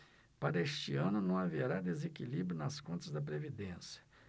para este ano não haverá desequilíbrio nas contas da previdência